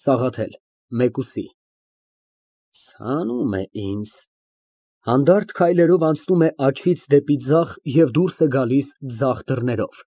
ՍԱՂԱԹԵԼ ֊ (Մեկուսի)։ Ցանում է ինձ։ (Հանդարտ քայլերով անցնում է աջից դեպի ձախ և դուրս է գալիս ձախ դռներով։